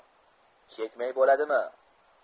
chekmay bo'ladimi